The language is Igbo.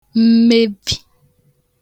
m̀mebvì